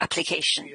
application.